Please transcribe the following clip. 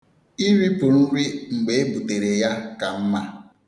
Iripụ nri mgbe e butere ya ka mma.